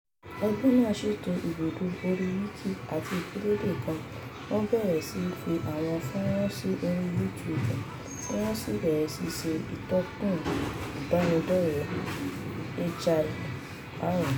Ẹgbẹ́ náà ṣètò ibùdó orí Wiki àti ìfiléde kan, wọ́n bẹ̀rẹ̀ sí ní fi àwọn fọ́nràn sí orí YouTube, tí wọ́n sì bẹ̀rẹ̀ sí ní lo ìtakùn ìbánidọ́rẹ̀ẹ́ Hi-5.